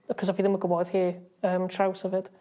yy 'c'os o' i ddim yn gwbod hi yn traws hefyd.